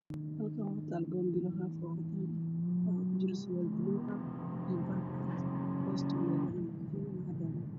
Waa boom bal cadaan waxaa ku jira surwaal james oo buluug ah